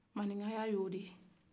maninkaya y'o de ye